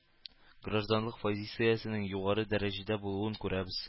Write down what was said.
Гражданлык позициясенең югары дәрәҗәдә булуын күрәбез